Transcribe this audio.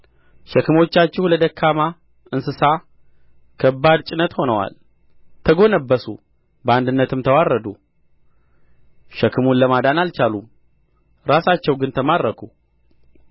ሸክሞቻችሁ ለደካማ እንስሳ ከባድ ጭነት ሆነዋል ተጐነበሱ በአንድነትም ተዋረዱ ሸክሙን ለማዳን አልቻሉም ራሳቸው ግን ተማረኩ